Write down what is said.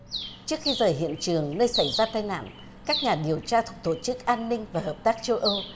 trước khi rời hiện trường nơi xảy ra tai nạn các nhà điều tra thuộc tổ chức an ninh và hợp tác châu âu